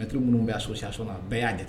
Maitre minnu bɛ association na bɛɛ y'a